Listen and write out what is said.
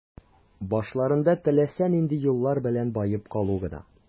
Башларында теләсә нинди юллар белән баеп калу гына.